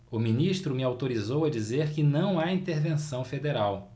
o ministro me autorizou a dizer que não há intervenção federal